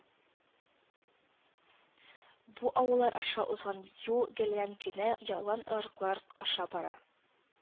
Бу авыллар аша узган юл гелән генә ялан-кырлар аша бара